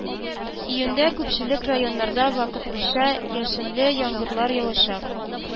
Июньдә күпчелек районнарда вакытлыча яшенле яңгырлар явачак